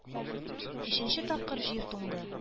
Өченче тапкыр җир туңды.